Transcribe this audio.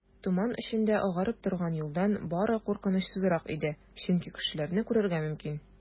Томан эчендә агарып торган юлдан бару куркынычсызрак иде, чөнки кешеләрне күрергә мөмкин.